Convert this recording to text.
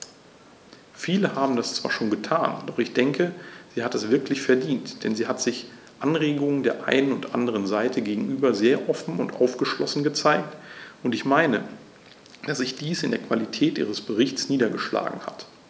Viele haben das zwar schon getan, doch ich denke, sie hat es wirklich verdient, denn sie hat sich Anregungen der einen und anderen Seite gegenüber sehr offen und aufgeschlossen gezeigt, und ich meine, dass sich dies in der Qualität ihres Berichts niedergeschlagen hat.